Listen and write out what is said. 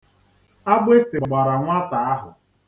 Agbịsị gbara nwata ahụ.